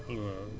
waaw